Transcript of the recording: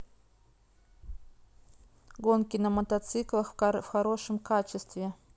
гонки на мотоциклах в хорошем качестве